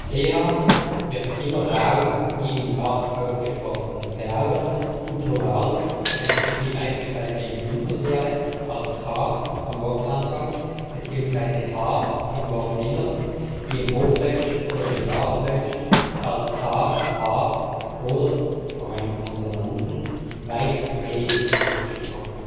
ch wird immer rauh wie in " Bach " ausgesprochen - genau genommen guttural (wenn es nicht wie beispielsweise im Bündnerdialekt als k [am Wortanfang] beziehungsweise h [im Wortinnern] wie im Hochdeutschen oder im Baseldeutschen als k, h oder [vor einem Konsonanten] weiches g ausgesprochen